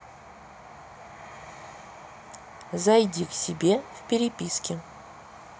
зайди к себе в переписке